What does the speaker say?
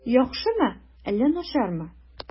Яхшымы әллә начармы?